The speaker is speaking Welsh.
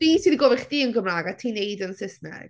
Fi sy 'di gofyn i chdi yn Gymraeg a ti'n wneud e yn Saesneg.